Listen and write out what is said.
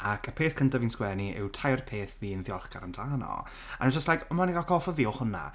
Ac y peth cyntaf fi'n sgwennu yw tair peth fi'n ddiolchgar amdano and I was just like, ma' hwn yn atgoffa fi o hwnna.